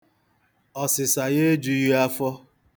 Ọsịsa ya ejughị afọ.